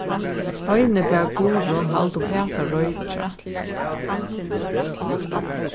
heini bað guðrun halda uppat at roykja